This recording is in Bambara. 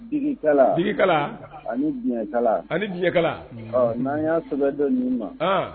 Jigiigikala jigiigikala anikala ani dikala naan y'a sɛbɛ dɔ nin ma